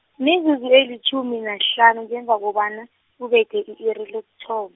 mizuzu elitjhumi nahlanu ngemva kobana, kubethe i-iri lokuthom-.